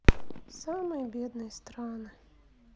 самые бедные страны